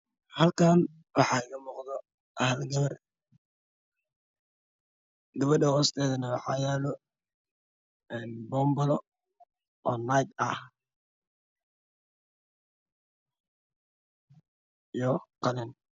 Halkan waxaa iga muuqda gabar ku foorarto doon baro kalaalkiis yahay ciid ciid waxaa ka danbeeya y guduud